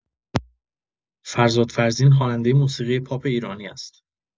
فرزاد فرزین خواننده موسیقی پاپ ایرانی است.